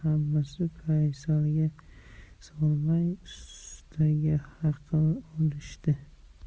hammasi paysalga solmay ustara haqi olishdi